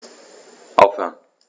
Aufhören.